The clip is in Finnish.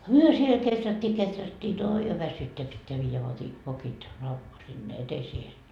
me siellä kehrättiin kehrättiin oi jo väsyttää pitää viedä vokit - sinne eteiseen